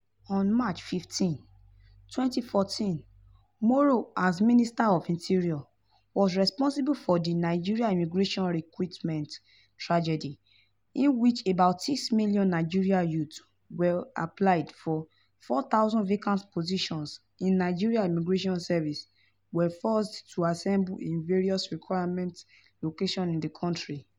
On March 15, 2014, Moro, as minister of interior, was responsible for the Nigerian Immigration Recruitment tragedy in which about 6 million Nigerian youths who applied for 4,000 vacant positions in Nigerian Immigration Service were forced to assemble in various recruitment locations in the country.